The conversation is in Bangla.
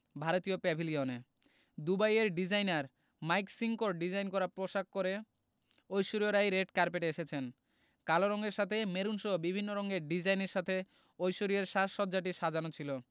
ভারতীয় প্যাভিলিয়নে দুবাইয়ের ডিজাইনার মাইক সিঙ্কোর ডিজাইন করা পোশাক করে ঐশ্বরিয়া রাই রেড কার্পেটে এসেছেন কালো রঙের সাথে মেরুনসহ বিভিন্ন রঙের ডিজাইনের সাথে ঐশ্বরিয়ার সাজ সজ্জাটি সাজানো ছিল